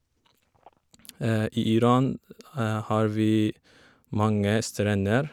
I Iran har vi mange strender.